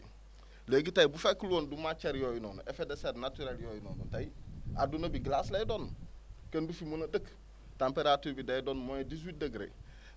léegi tey bu fekkul woon du matière yooyu noonu effet de serre naturels yooyu noonu tey aduna bi glace lay doon kenn du fi mun a dëkk température bi day doon moins dix huit degré